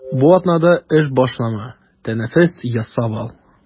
Бу атнада эш башлама, тәнәфес ясап ал.